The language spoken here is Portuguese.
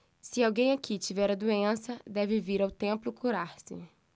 se alguém aqui tiver a doença deve vir ao templo curar-se